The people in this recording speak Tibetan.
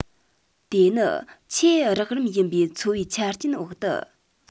དེ ནི ཆེས རགས རིམ ཡིན པའི འཚོ བའི ཆ རྐྱེན འོག ཏུ